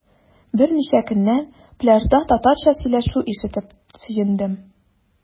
Берничә көннән пляжда татарча сөйләшү ишетеп сөендем.